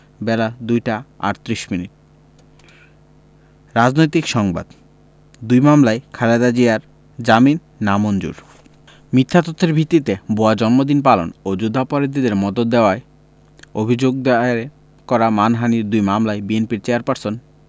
বেলা ২টা ৩৮ মিনিট রাজনৈতিক সংবাদ দুই মামলায় খালেদা জিয়ার জামিন নামঞ্জুর মিথ্যা তথ্যের ভিত্তিতে ভুয়া জন্মদিন পালন ও যুদ্ধাপরাধীদের মদদ দেওয়ার অভিযোগে দায়ের করা মানহানির দুই মামলায় বিএনপির চেয়ারপারসন